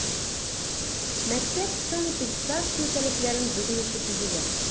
Мәктәп санэпидстанция таләпләрен бозмыйча төзелә.